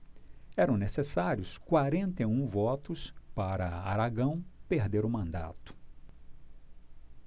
eram necessários quarenta e um votos para aragão perder o mandato